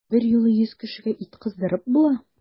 Берьюлы йөз кешегә ит кыздырып була!